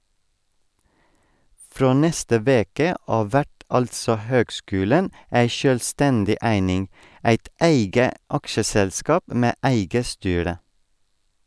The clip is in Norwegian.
Frå neste veke av vert altså høgskulen ei sjølvstendig eining, eit eige aksjeselskap med eige styre.